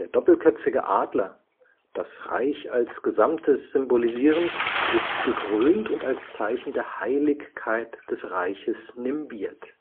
doppelköpfige Adler, das Reich als gesamtes symbolisierend, ist gekrönt und als Zeichen der Heiligkeit des Reiches nimbiert